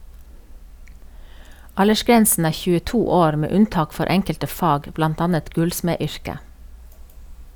Aldersgrensen er 22 år, med unntak for enkelte fag, blant annet gullsmedyrket.